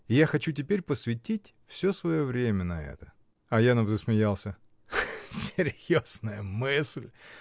И я хочу теперь посвятить всё свое время на это. Аянов засмеялся. — Серьезная мысль!